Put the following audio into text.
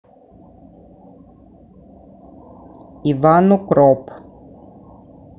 иван укроп